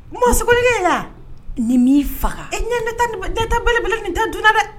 Ma sugujɛ nin'i faga e ɲɛ tɛb nin tɛ dunanda dɛ